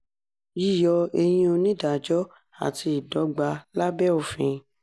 Yíyọ-eyín onídàájọ́ àti ìdọ́gba lábẹ́ òfin